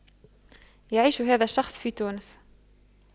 يعيش هذا الشخص في تونس